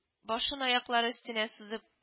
Башын аяклары өстенә сузып